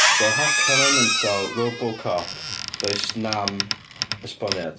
So Haka 'na'n mental, Robocop, does 'nam esboniad.